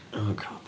Oh, God.